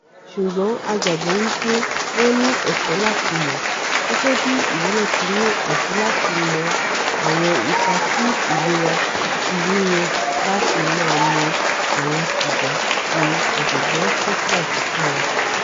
Ṣùgbọ́n a gbàgbó wí pé wọ́n ní ẹ̀tọ́ láti mọ̀ - gẹ́gẹ́bí ìwọ náà ti ní ẹ̀tọ́ láti mọ̀ àwọn ipa ti ìlera ti yíyàn láti máa mu àwọn sìgá,' ni Ọ̀jọ̀gbọ́n Czeisler fi kún un.